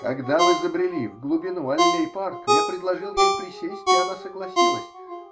Когда мы забрели в глубину аллей парка, я предложил ей присесть, и она согласилась.